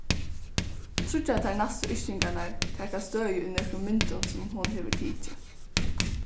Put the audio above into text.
tríggjar tær næstu yrkingarnar taka støði í nøkrum myndum sum hon hevur tikið